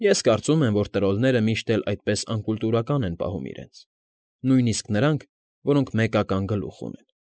Ես կարծում եմ, որ տրոլները միշտ էլ այդպես անկուլտուրական են պահում իրենց, նույնիսկ նրանք, ովքեր մեկական գլուխ ունեն։